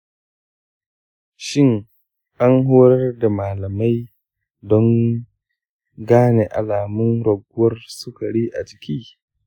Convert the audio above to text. shin an horar da malamai don gane alamun raguwar sukari a jiki?